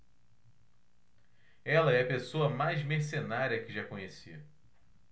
ela é a pessoa mais mercenária que já conheci